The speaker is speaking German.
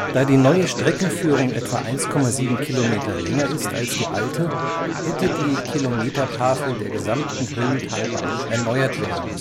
Da die neue Streckenführung etwa 1,7 km länger ist als die alte, hätte die Kilometertafeln der gesamten Höllentalbahn erneuert werden